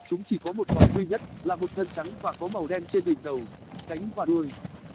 chúng chỉ có một màu duy nhất là một thân trắng và có màu đen trên đỉnh đầu cánh và đuôi